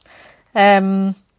Yym.